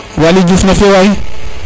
Waly Diouf nafio waay